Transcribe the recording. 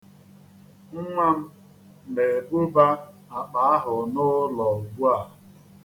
Nnwa m na-ebuba akpa ahụ n'ụlọ ugbu a.